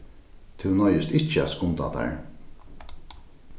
tú noyðist ikki at skunda tær